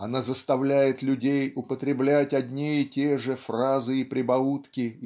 она заставляет людей употреблять одне и те же фразы и прибаутки